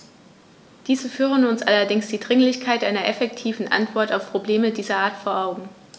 Diese führen uns allerdings die Dringlichkeit einer effektiven Antwort auf Probleme dieser Art vor Augen.